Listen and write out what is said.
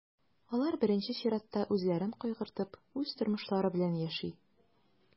Алар, беренче чиратта, үзләрен кайгыртып, үз тормышлары белән яши.